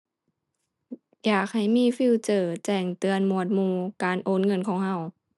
อยากให้มีฟีเจอร์แจ้งเตือนหมวดหมู่การโอนเงินของเรา